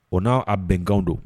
O n' a bɛnkan don